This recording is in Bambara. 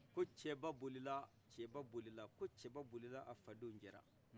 cɛba bolila cɛba bolila ko cɛba bolila a fadenw cɛla